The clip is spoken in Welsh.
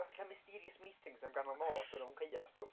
Dach chi cael mysterious meetings am ganol nos a mewn caeau a stwff?